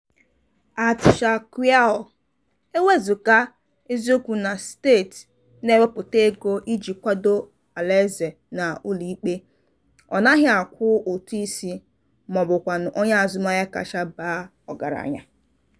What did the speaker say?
@charquaoia: E wezuga eziokwu na steeti na-ewepụta ego iji kwado ụlọeze na ụlọikpe, ọ naghị akwụ ụtụisi, ma ọ bụkwa onye azụmahịa kacha baa ọgaranya.